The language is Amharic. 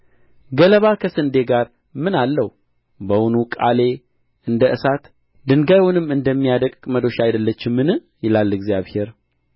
ገለባ ከስንዴ ጋር ምን አለው በውኑ ቃሌ እንደ እሳት ድንጋዩንም እንደሚያደቅቅ መዶሻ አይደለችምን ይላል እግዚአብሔር